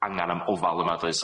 angan am ofal yma does?